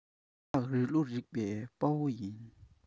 ཨ ལག རིག ལོ རིག པའི དཔའ བོ ཡིན